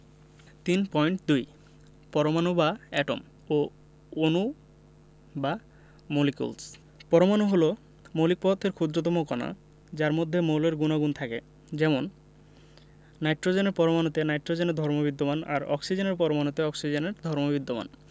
৩.২ পরমাণু বা এটম ও অণু বা মলিকিউলস পরমাণু হলো মৌলিক পদার্থের ক্ষুদ্রতম কণা যার মধ্যে মৌলের গুণাগুণ থাকে যেমন নাইট্রোজেনের পরমাণুতে নাইট্রোজেনের ধর্ম বিদ্যমান আর অক্সিজেনের পরমাণুতে অক্সিজেনের ধর্ম বিদ্যমান